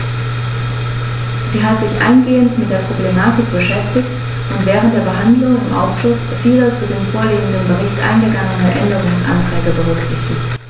Sie hat sich eingehend mit der Problematik beschäftigt und während der Behandlung im Ausschuss viele zu dem vorliegenden Bericht eingegangene Änderungsanträge berücksichtigt.